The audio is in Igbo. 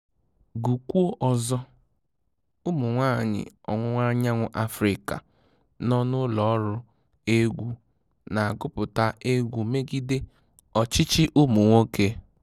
Gụkwuo ọzọ: Ụmụ nwaanyị Ọwụwa Anyanwụ Afịrịka nọ n'ụlọ ọrụ egwu na-agụpụta egwu megide ọchịchị ụmụ nwoke